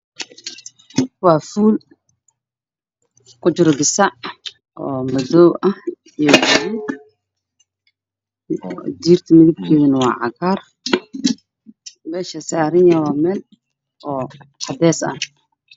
Waa fuul wuxuu saran yahay meel cadeys ah